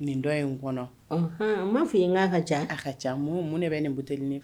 Nin dɔ in n kɔnɔ n ma f fɔ i ye n k'a ka ca' ka ca mun de bɛ nin mot